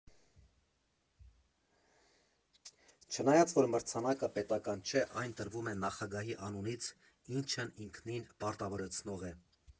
֊ Չնայած որ մրցանակը պետական չէ, այն տրվում է նախագահի անունից, ինչն ինքնին պարտավորեցնող է։